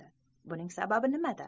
buning sababi nimada